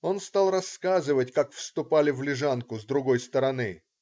Он стал рассказывать, как вступали в Лежанку с другой стороны.